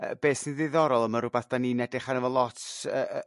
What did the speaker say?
yrr beth sy ddiddorol a ma' rwbath dyn ni'n edrych ar'o fo lot yrr yrr